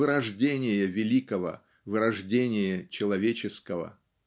вырождение великого, вырождение человеческого.